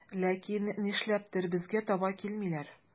Ләкин нишләптер безгә таба килмиләр.